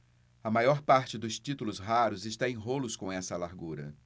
a maior parte dos títulos raros está em rolos com essa largura